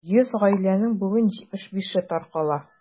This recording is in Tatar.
100 гаиләнең бүген 75-е таркала.